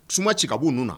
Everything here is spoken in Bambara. Suma ci ka bu nun na.